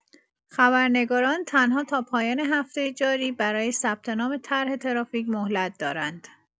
خبرنگاران تنها تا پایان هفته جاری برای ثبت‌نام طرح ترافیک مهلت دارند.